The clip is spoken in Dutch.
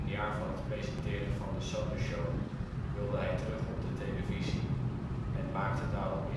jaar van het presenteren van de SanderSjow, wilde hij terug op de televisie en maakte daarom